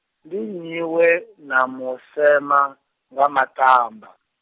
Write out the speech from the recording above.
ndi nnyi we na mu sema, nga maṱamba?